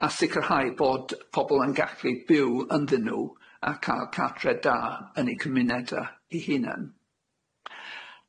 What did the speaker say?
a sicirhau bod pobol yn gallu byw ynddyn nw a ca'l cartre da yn eu cymuneda 'i hunan.